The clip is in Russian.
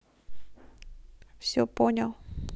все понял